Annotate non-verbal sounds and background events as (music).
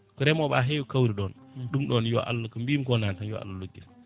ko remoɓe ha hewi kawri ɗon (smacks lips) ɗum ɗon yo Allah ko mbimi ko nane tan yo Allah logguit